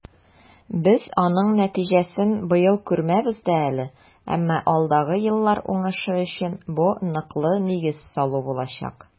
Без аның нәтиҗәсен быел күрмәбез дә әле, әмма алдагы еллар уңышы өчен бу ныклы нигез салу булачак.